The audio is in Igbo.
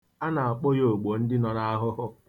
A na-akpọ ya "ogbo ndị nọ n'ahụhụ".